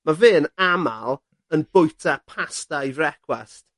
Ma' fe'n amal yn bwyta pasta i frecwast.